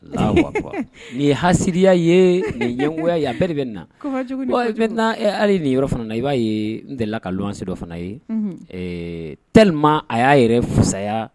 nin ye haseya yekunya ye bere de bɛ na ali nin yɔrɔ fana i b'a ye ntɛla ka wanse dɔ fana ye tema a y'a yɛrɛ fuya